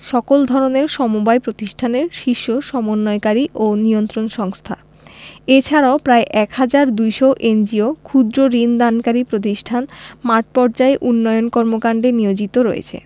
সকল ধরনের সমবায় প্রতিষ্ঠানের শীর্ষ সমন্বয়কারী ও নিয়ন্ত্রণ সংস্থা এছাড়াও প্রায় ১ হাজার ২০০ এনজিও ক্ষুদ্র্ ঋণ দানকারী প্রতিষ্ঠান মাঠপর্যায়ে উন্নয়ন কর্মকান্ডে নিয়োজিত রয়েছে